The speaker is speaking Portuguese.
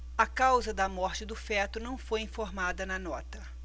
a causa da morte do feto não foi informada na nota